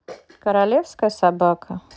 королевская собака